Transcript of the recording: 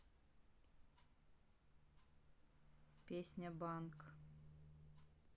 песня банк